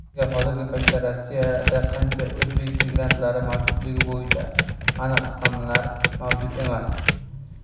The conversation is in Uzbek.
daryo hozirgi paytda rossiyada qancha o'zbek migrantlari mavjudligi bo'yicha aniq raqamlar mavjud emas